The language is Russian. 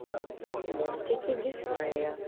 мультики диснея